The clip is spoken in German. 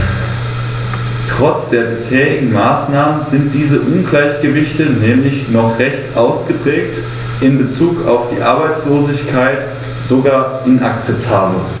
Trotz der bisherigen Maßnahmen sind diese Ungleichgewichte nämlich noch recht ausgeprägt, in bezug auf die Arbeitslosigkeit sogar inakzeptabel.